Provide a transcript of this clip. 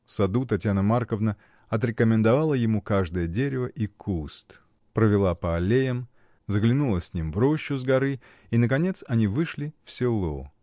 В саду Татьяна Марковна отрекомендовала ему каждое дерево и куст, провела по аллеям, заглянула с ним в рощу с горы, и наконец они вышли в село.